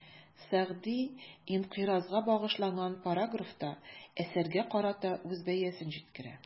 Сәгъди «инкыйраз»га багышланган параграфта, әсәргә карата үз бәясен җиткерә.